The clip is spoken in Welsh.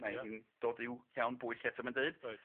Mae hi'n dod i'w hiawn bwyll eto mae'n deud. Reit.